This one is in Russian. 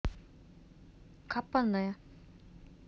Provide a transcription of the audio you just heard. капоне